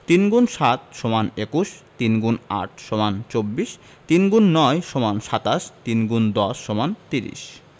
৩ গুণ ৭ সমান ২১ ৩গুণ ৮ সমান ২৪ ৩গুণ ৯ সমান ২৭ ৩ গুণ১০ সমান ৩০